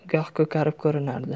goh ko'karib ko'rinardi